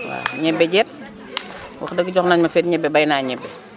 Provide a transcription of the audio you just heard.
waaw ñebe jeek wax dëgg jox nañu ma fi ñebe bay naa ñebe